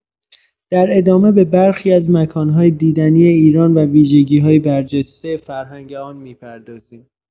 در ادامه به برخی از مکان‌های دیدنی ایران و ویژگی‌های برجسته فرهنگ آن می‌پردازیم.